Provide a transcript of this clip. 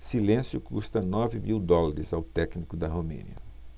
silêncio custa nove mil dólares ao técnico da romênia